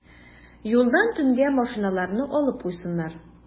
Юлдан төнгә машиналарны алып куйсыннар.